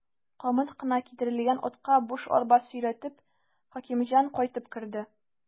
Камыт кына кидерелгән атка буш арба сөйрәтеп, Хәкимҗан кайтып керде.